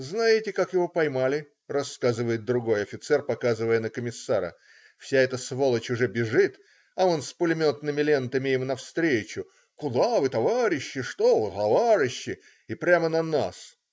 " "Знаете, как его поймали,- рассказывает другой офицер, показывая на комиссара,- вся эта сволочь уже бежит, а он с пулеметными лентами им навстречу: куда вы, товарищи! что вы, товарищи! и прямо на нас.